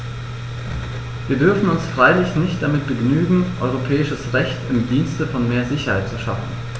Wir dürfen uns freilich nicht damit begnügen, europäisches Recht im Dienste von mehr Sicherheit zu schaffen.